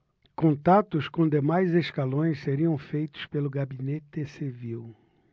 contatos com demais escalões seriam feitos pelo gabinete civil